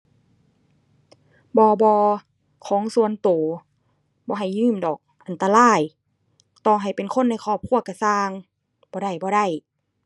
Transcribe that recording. บ่ บ่ ของส่วนตัว บ่ให้ยืมดอก อันตราย ต่อให้เป็นคนในครอบครัวตัวตัว บ่ได้ บ่ได้